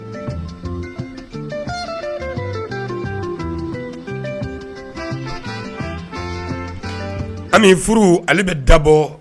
Ami furu ale bɛ dabɔ